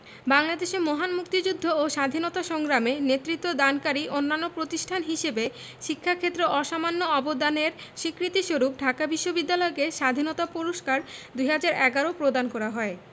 বাংলাদেশের মহান মুক্তিযুদ্ধ ও স্বাধীনতা সংগ্রামে নেতৃত্বদানকারী অন্যান্য প্রতিষ্ঠান হিসেবে শিক্ষা ক্ষেত্রে অসামান্য অবদানের স্বীকৃতিস্বরূপ ঢাকা বিশ্ববিদ্যালয়কে স্বাধীনতা পুরস্কার ২০১১ প্রদান করা হয়